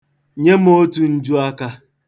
Nye m otu njuaka.